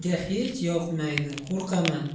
hech yoqmaydi qo'rqaman